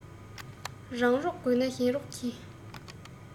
རང རོགས དགོས ན གཞན རོགས གྱིས